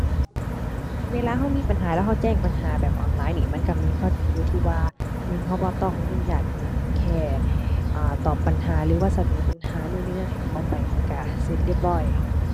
เวลาเรามีปัญหาแล้วเราแจ้งปัญหาแบบออนไลน์นี้ มันเรามีข้อดีอยู่ที่ว่า หนึ่ง เราบ่ต้องยุ่งยากอิหยัง แค่ อ่า ตอบปัญหาหรือว่าเสนอปัญหานู่นนี่นั่นให้เขาไป มันเราเสร็จเรียบร้อย